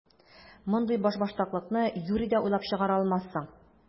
Мондый башбаштаклыкны юри дә уйлап чыгара алмассың!